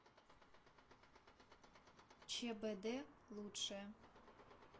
чбд лучшее